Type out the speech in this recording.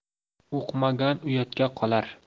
uqmagan uyatga qolar